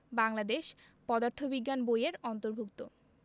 বাংলাদেশ পদার্থ বিজ্ঞান বই এর অন্তর্ভুক্ত